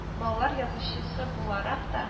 Балалар язучысы буларак та